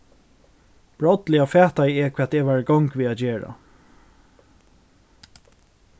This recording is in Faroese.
brádliga fataði eg hvat eg var í gongd við at gera